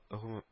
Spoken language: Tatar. Гомум